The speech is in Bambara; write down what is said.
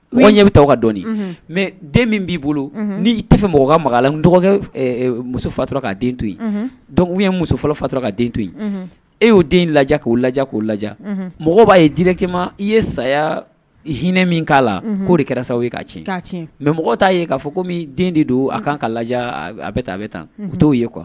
N ɲɛ bɛ taa ka dɔni mɛ den min b'i bolo n'i y' tɛ mɔgɔ makan la dɔgɔkɛ musofatura k' den to ye muso fɔlɔ fatura' den to yen e y'o den lajɛ k'o lajɛ k'o lajɛ mɔgɔ b'a ye dikɛ ma i ye saya hinɛinɛ min k'a la k'o de kɛra sa ye ka tiɲɛ mɛ mɔgɔ t'a ye k'a fɔ ko den de don a kan ka lajɛ a bɛ taa a bɛ tan u t'o ye qu kuwa